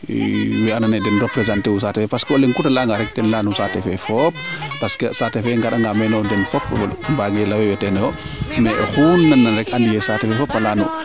we ando naye den representer u saate fe parce que o leŋ kuta leyanga rek ka fi nen ten leya nu saate fe fop parce que saate fe ngara nga meeno den fop mbaage lawo yo teenoyo oxu nu nan na rek andiye saate fe fop a leyanu